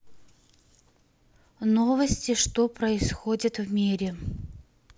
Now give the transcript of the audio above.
новости что происходит в мире